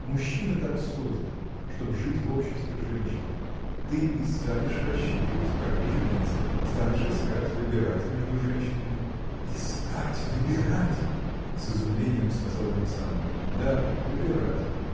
Мужчина так создан, чтоб жить в обществе женщины ты и станешь рассчитывать как бы жениться станешь искать выбирать между женщинами. – Искать, выбирать! – с изумлением сказал Александр. – Да, выбирать.